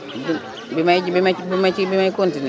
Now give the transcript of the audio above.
bi may ji ba ma ciy bi may continué